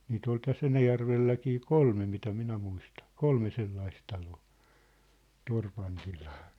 niitä oli tässä Enäjärvelläkin kolme mitä minä muistan kolme sellaista taloa torpan tilaa